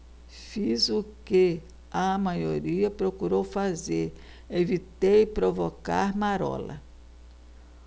fiz o que a maioria procurou fazer evitei provocar marola